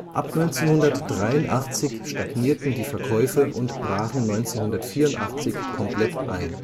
Ab 1983 stagnierten die Verkäufe und brachen 1984 komplett ein